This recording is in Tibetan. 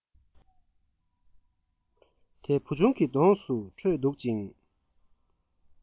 དེ བུ ཆུང གི གདོང དུ འཕྲོས འདུག ཅིང